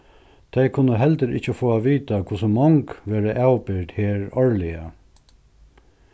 tey kunnu heldur ikki fáa at vita hvussu mong verða avbyrgd her árliga